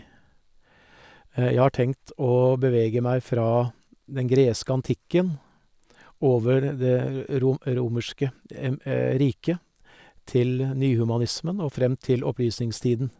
Jeg har tenkt å bevege meg fra den greske antikken, over det rom romerske riket, til nyhumanismen og frem til opplysningstiden.